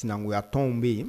Sinankunya tɔnw be yen